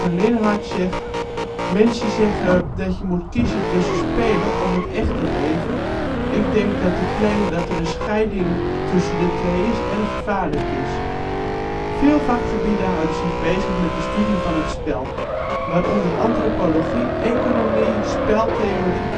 Linhart zegt: " Mensen zeggen dat je moet kiezen tussen spelen of het echte leven. Ik denk dat de claim dat er een scheiding tussen die twee is erg gevaarlijk is. " Veel vakgebieden houden zich bezig met de studie van spel, waaronder antropologie, economie, speltheorie